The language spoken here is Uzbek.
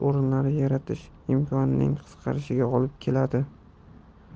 o'rinlarini yaratish imkonining qisqarishiga olib keladi